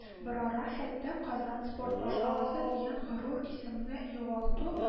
Берара хәтта Казан – спорт башкаласы дигән горур исемне югалту